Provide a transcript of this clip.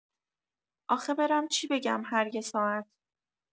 آخه برم چی بگم هر یه ساعت؟!